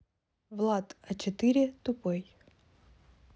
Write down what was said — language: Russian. влад а четыре тупой